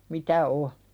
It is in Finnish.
mitä on